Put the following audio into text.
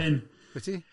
Wyt ti?